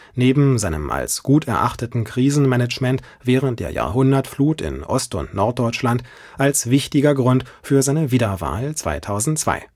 neben seinem als gut erachteten Krisenmanagement während der Jahrhundertflut in Ost - und Norddeutschland – als wichtiger Grund für seine Wiederwahl 2002